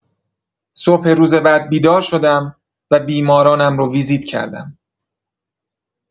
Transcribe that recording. صبح روز بعد بیدار شدم و بیمارانم رو ویزیت کردم.